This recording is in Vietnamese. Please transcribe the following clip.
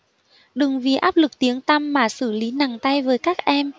đừng vì áp lực tiếng tăm mà xử lý nặng tay với các em